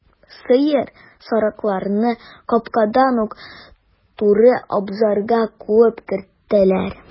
Сыер, сарыкларны капкадан ук туры абзарга куып керттеләр.